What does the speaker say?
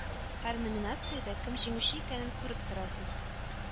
Һәр номинациядә кем җиңүче икәнен күреп торасыз